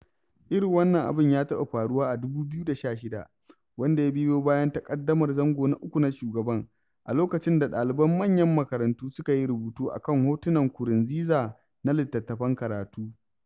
Irin wannan abin ya taɓa faruwa a 2016, wanda ya biyo bayan taƙaddamar zango na uku na shugaban, a lokacin da ɗaliban manyan makarantu suka yi rubutu a kan hotunan Nkurunziza na littattafan karatu.